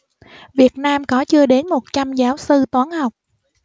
việt nam có chưa đến một trăm giáo sư toán học